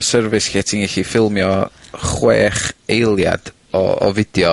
service lle ti'n gellu ffilmio chwech eiliad o o fideo